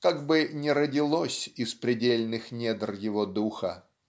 как бы не родилось из предельных недр его духа.